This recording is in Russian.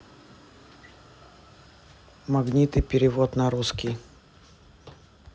магниты перевод на русский